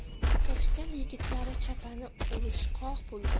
toshkent yigitlari chapani urushqoq bo'lgan